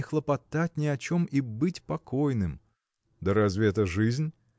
не хлопотать ни о чем и быть покойным. – Да разве это жизнь?